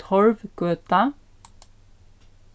torvgøta